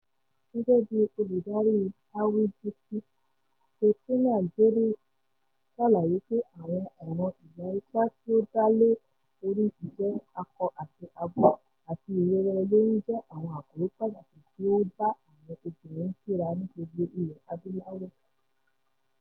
Gẹ́gẹ́ bíi olùdarí AWJP, Catherine Gicheru ṣàlàyé pé àwọn ọ̀ràn ìwà ipá tí ó dálè orí ìjẹ́ akọ tàbí abo àti ìlera olóyún jẹ́ àwọn àkòrí pàtàkì tí ó ń bá àwọn obìnrin fínra ní gbogbo Ilẹ̀ Adúláwò.